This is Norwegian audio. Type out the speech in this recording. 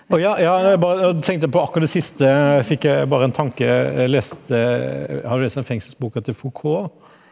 å ja ja bare nå tenkte jeg på akkurat det siste fikk jeg bare en tanke jeg leste har du lest den fengselsboka til Foucault?